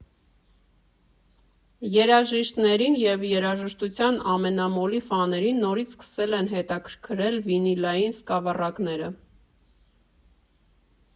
Երաժիշտներին և երաժշտության ամենամոլի ֆաներին նորից սկսել են հետաքրքրել վինիլային սկավառակները։